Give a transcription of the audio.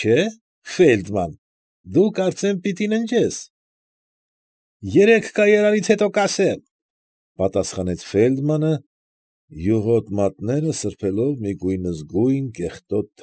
Չէ՞, Ֆեյլդման, դու կարծեմ պիտի ննջես։ ֊ Երեք կայարանից հետո կասեմ,֊ պատասխանեց Ֆեյլդմանը, յուղոտ մատները սրբելով մի գույնզգույն կեղտոտ։